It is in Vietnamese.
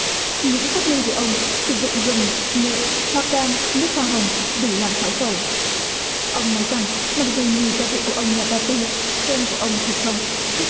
những phát minh của ông sử dụng gừng nghệ hoa cam nước hoa hồng đủ làm khoái khẩu ông nói rằng mặc dù nhiều gia vị của ông là bà tư kem của ông thì không